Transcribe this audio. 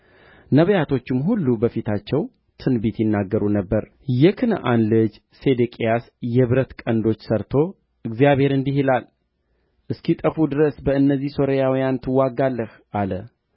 ነቢያቶቹም ሁሉ በፊታቸው ትንቢት ይናገሩ ነበር የክንዓና ልጅ ሴዴቅያስም የብረት ቀንዶች ሠርቶ እግዚአብሔር እንዲህ ይላል እስኪጠፉ ድረስ በእነዚህ ሶርያውያንን ትወጋለህ አለ